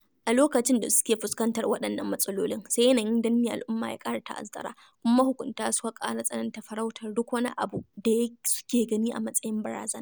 A lokacin da suke fuskantar waɗannan matsalolin, sai yanayin danne al'umma ya ƙara ta'azzara, kuma mahukunta suka ƙara tsananta farautar duk wani abu da suke gani a matsayin barazana.